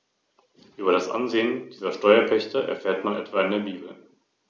Der Bauch, das Gesicht und die Gliedmaßen sind bei den Stacheligeln mit Fell bedeckt.